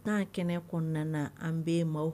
N'an kɛnɛ kɔnɔna na an bɛ yen maaw